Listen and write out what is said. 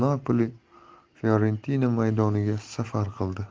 napoli fiorentina maydoniga safar qildi